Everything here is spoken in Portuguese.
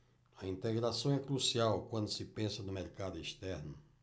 a integração é crucial quando se pensa no mercado externo